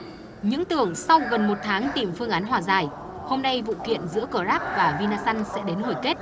những tưởng sau gần một tháng tìm phương án hòa giải hôm nay vụ kiện giữa cờ ráp và vi na săn sẽ đến hồi kết